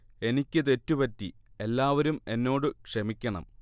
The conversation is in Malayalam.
എനിക്ക് തെറ്റു പറ്റി എല്ലാവരും എന്നോട് ക്ഷമിക്കണം